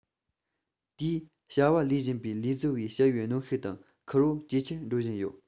དེས བྱ བ ལས བཞིན པའི ལས བཟོ བའི བྱ བའི གནོན ཤུགས དང འཁུར བོ ཇེ ཆེར འགྲོ བཞིན ཡོད